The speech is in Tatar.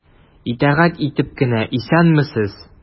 Итагать итеп кенә:— Исәнмесез!